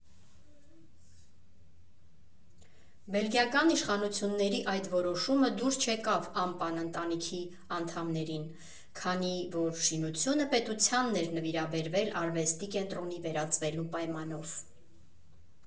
Բելգիական իշխանությունների այդ որոշումը դուր չեկավ Ամպան ընտանիքի անդամներին, քանի որ շինությունը պետությանն էր նվիրաբերվել արվեստի կենտրոնի վերածվելու պայմանով։